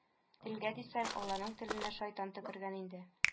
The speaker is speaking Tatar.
Телгә дисәң аларның теленә шайтан төкергән инде